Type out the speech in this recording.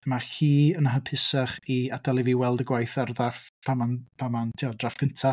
Ma' hi yn hapusach i adael i fi weld y gwaith ar ddrafft pan ma'n pan ma'n tibod drafft cynta.